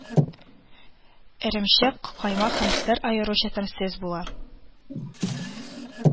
Эремчек, каймак һәм сыр аеруча тәмсез була